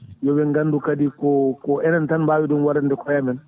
yooɓe gandu kadi koko inen tan mbawi ɗum waɗande koye men